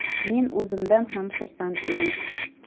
men o'zimdan ham xursand edim